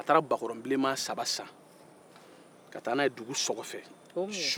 a taa bakɔrɔn bilenman saba san ka taa n'u ye dugu so kɔ fɛ o ye mun ye